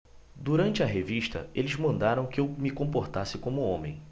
durante a revista eles mandaram que eu me comportasse como homem